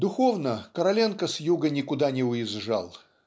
Духовно Короленко с юга никуда не уезжал.